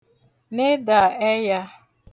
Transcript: nedà ẹyā